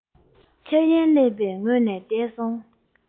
འཆར ཡན ཀླད པའི ངོས ནས འདས སོང